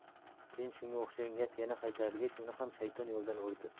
keyin shunga o'xshagan gap yana qaytarilgach uni ham shayton yo'ldan urdi